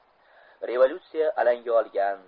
revolyutsiya alanga olgan